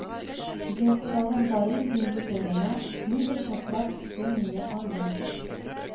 Юк, тагын барыйм диңгез ярына, Нидер чакыра төсле мине анда